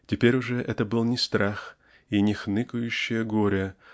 теперь уже это был не Страх и не хныкающее Горе